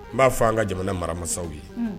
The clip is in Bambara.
N b'a fɔ an ka jamana mara masaw ye, unhun.